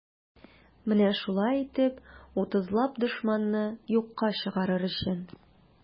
Менә шулай итеп, утызлап дошманны юкка чыгарыр өчен.